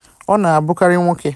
Ọ na-abụkarị nwoke.